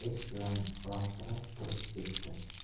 alahsirab turdib ketdi